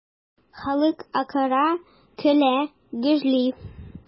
Халык акыра, көлә, гөжли.